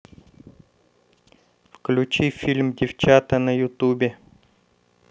включи фильм девчата на ютубе